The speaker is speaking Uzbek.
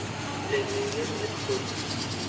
ilinganga ilik qo'y